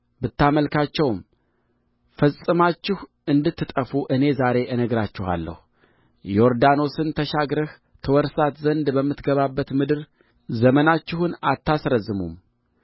ብታመልካቸውም ፈጽማችሁ እንድትጠፉ እኔ ዛሬ እነግራችኋለሁ ዮርዳኖስን ተሻግረህ ትወርሳት ዘንድ በምትገባባት ምድር ዘመናችሁን አታስረዝሙም